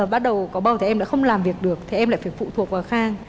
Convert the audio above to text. bắt đầu có bầu thì em đã không làm việc được thì em lại phải phụ thuộc vào khang